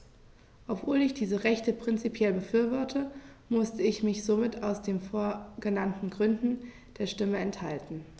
Obwohl ich diese Rechte prinzipiell befürworte, musste ich mich somit aus den vorgenannten Gründen der Stimme enthalten.